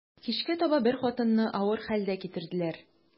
Кичкә таба бер хатынны авыр хәлдә китерделәр.